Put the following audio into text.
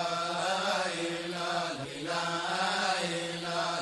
San